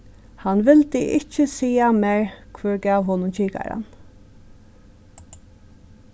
hann vildi ikki siga mær hvør gav honum kikaran